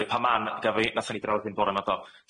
yy pan ma'n- gafi- nathon ni drafod hyn bore 'ma do?